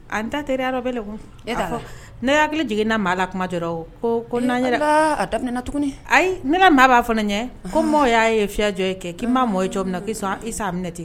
An n ta teriya bɛɛ la e ne y hakili jiginna maa la kuma jɔ o ko ko n' yɛrɛ a daminɛɛna tuguni ayi ne ka maa b'a fɔ ɲɛ ko mɔgɔ y'a ye fiyajɔ ye kɛ k'i maa mɔ ye cogo min na' sɔn isa' minɛti